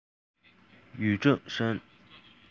ཡུས ཀྲེང ཧྲེང